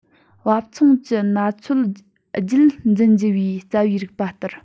བབ མཚུངས ཀྱི ན ཚོད དུ རྒྱུད འཛིན བགྱི བའི རྩ བའི རིགས པ ལྟར